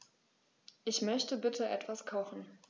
Ich möchte bitte etwas kochen.